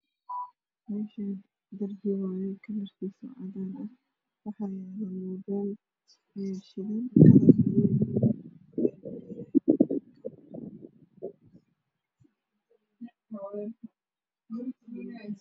Meeshaan darbi waaye kalarkiisa cadaan ah waxaa yaalo madow.